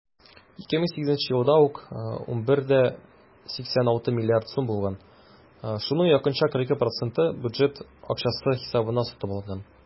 2008 елда ул 11,86 млрд. сум булган, шуның якынча 42 % бюджет акчасы хисабына сатып алынган.